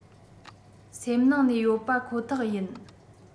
སེམས ནང ནས ཡོད པ ཁོ ཐག ཡིན